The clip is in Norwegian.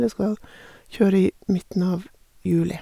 Jeg skal jo kjøre i midten av juli.